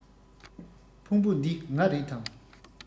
ཕུང བོ འདི ང རེད དམ